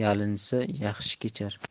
yalinsa yaxshi kechar